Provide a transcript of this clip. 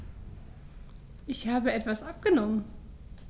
Ich habe etwas abgenommen.